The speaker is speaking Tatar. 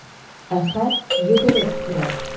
Әхәт йөгереп керә.